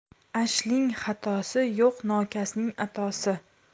ashling xatosi yo'q nokasning atosi